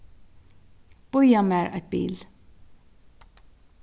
bíða mær eitt bil